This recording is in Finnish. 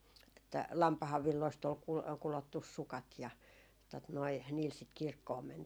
että lampaan villoista oli - kudottu sukat ja tuota noin niillä sitä kirkkoon mentiin